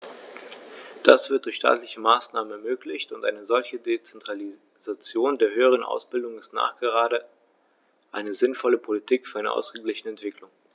Das wird durch staatliche Maßnahmen ermöglicht, und eine solche Dezentralisation der höheren Ausbildung ist nachgerade eine sinnvolle Politik für eine ausgeglichene Entwicklung.